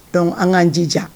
An k'an jija.